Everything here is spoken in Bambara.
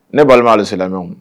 Ne balima alisilamɛw